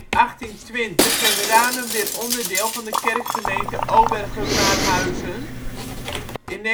1630. In 1820 werd Ranum weer onderdeel van de kerkgemeente Obergum-Maarhuizen. In